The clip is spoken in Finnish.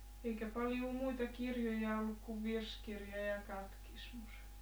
eikä paljon muita kirjoja ollut kuin virsikirja ja katkismus